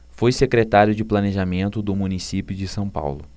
foi secretário de planejamento do município de são paulo